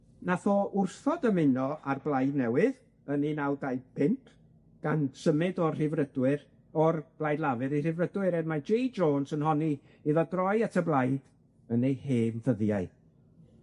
Nath o wrthod ymuno â'r blaid newydd yn un naw dau pump gan symud o'r Rhyddfrydwyr o'r Blaid Lafur i Rhyddfrydwyr er mai Jay Jones yn honni iddo droi at y blaid yn ei hen ddyddiau.